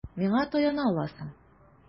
Миңа таяна аласың.